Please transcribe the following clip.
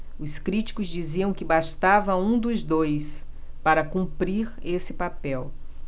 os críticos diziam que bastava um dos dois para cumprir esse papel